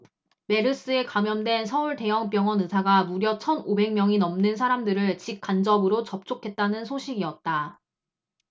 메르스에 감염된 서울 대형 병원 의사가 무려 천 오백 명이 넘는 사람들을 직 간접으로 접촉했다는 소식이었다